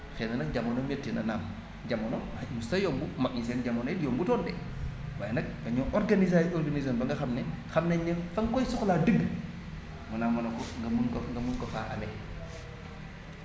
xëy na nag jamono métti na naam jamono mosut a yomb mag ñi seen jamono it yombutoon de waaye nag dañoo organisé ay organisé ba nga xam ne xam nañ ne fa nga koy soxlaa dëgg mu ne ah ma ne ko nga mun ko nga mun ko faa amee